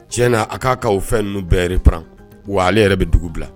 Tiɲɛ na a k kaa kaaw fɛn n'u bɛrip wa ale yɛrɛ bɛ dugu bila